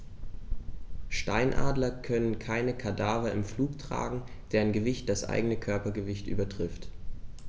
Steinadler können keine Kadaver im Flug tragen, deren Gewicht das eigene Körpergewicht übertrifft.